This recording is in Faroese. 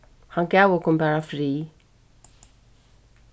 hann gav okkum bara frið